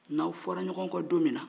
n'aw fɔra ɲɔgɔn kɔ don minna